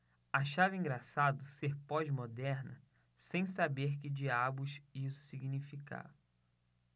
achava engraçado ser pós-moderna sem saber que diabos isso significava